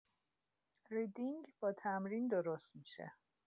ریدینگ با تمرین درست می‌شه.